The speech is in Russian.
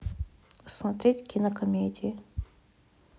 смотреть кинокомедии